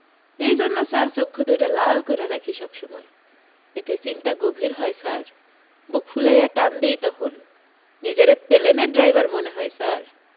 এইজন্য ছার চোক্ষু দুউডা লাল রাখি সব সময় এতে চিন্তা গভীর হয় ছার বুক ফুলায়া টান দেই তহন নিজেরে পেলেনের ড্রাইভার মনে হয় ছার...